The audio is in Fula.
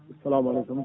assalamu aleykum